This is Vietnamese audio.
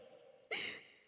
nghe